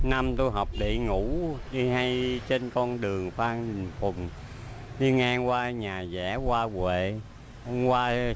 năm tui học để ngủ đi ngay trên con đường phan đình phùng đi ngang qua nhà rẽ qua huệ hông qua